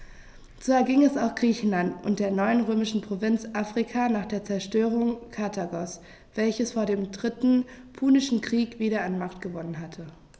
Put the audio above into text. So erging es auch Griechenland und der neuen römischen Provinz Afrika nach der Zerstörung Karthagos, welches vor dem Dritten Punischen Krieg wieder an Macht gewonnen hatte.